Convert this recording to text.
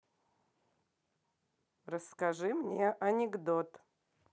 расскажи мне анекдот